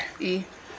ii